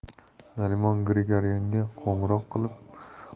narimon grigoryanga qo'ng'iroq